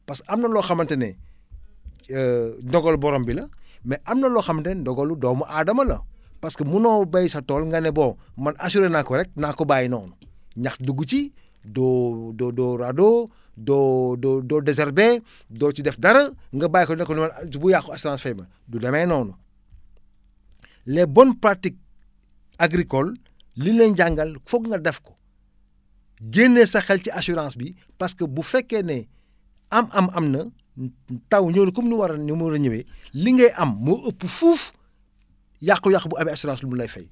parce que am na loo xamante ne ndogal borom bi la mais am na loo xamante ne ndogalu doomu aadama la parce que munoo béy sa tool nga ne bon man assurer naa ko rek naa ko bàyyi noonu ñax dugg ci doo doo doo râteau doo doo desherber doo ci def dara nga bàyyi ko ne ko noonu bu yàqoo assurance fay ma du demee noonu les bonnes pratiques agricoles li ñu leen jàngal foog nga def ko génnee sa xel ci assurance bi parce que bu fekkee ne am-am am na taw ñëw na comme nu war a ni mu war a ñëwee li ngay am moo ëpp fuuf yàqu-yàqu bu amee assurance lu mu lay fay